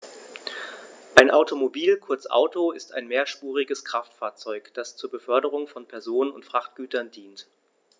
Ein Automobil, kurz Auto, ist ein mehrspuriges Kraftfahrzeug, das zur Beförderung von Personen und Frachtgütern dient.